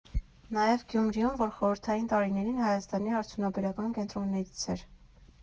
Նաև Գյումրիում, որ խորհրդային տարիներին Հայաստանի արդյունաբերական կենտրոններից էր։